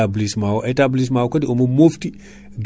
ina hutore e ndeemanteri ndi